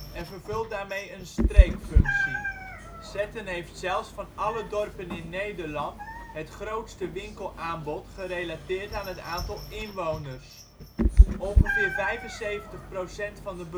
en vervult daarmee een streekfunctie. Zetten heeft zelfs van alle dorpen in Nederland het grootste winkelaanbod gerelateerd aan het aantal inwoners. Ongeveer 75 % van de beroepsbevolking